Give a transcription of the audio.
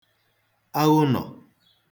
aghụnọ̀